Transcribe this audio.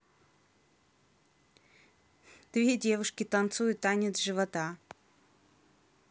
две девушки танцуют танец живота